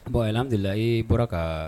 Bɔndula i bɔra ka